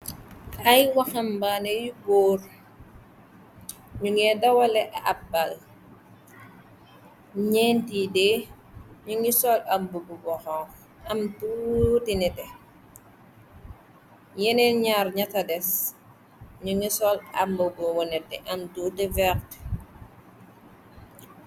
Ay waxambaane yu góor, ñu ngi dawale ab bal, ñeenti dé ñu ngi sol amb bu xoxon am tuuti nete, yeneen ñaar ñaxa des ñu ngi sol amb bu wonete am tute verte.